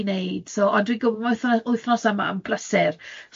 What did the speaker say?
i 'neud, so ond dwi'n gwybod ma' wythno- wythnos yma yn brysur,